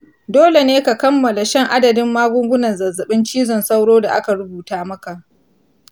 dole ne ka kammala shan adadin maganin zazzaɓin cizon sauro da aka rubuta maka